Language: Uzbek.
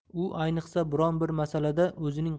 u ayniqsa biron bir masalada o'zining